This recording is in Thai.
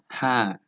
ห้า